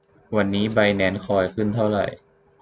วันนี้ไบแนนซ์คอยขึ้นเท่าไหร่